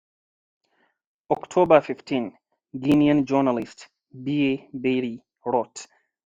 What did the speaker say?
On October 15, Guinean journalist Bhiye Bary wrote: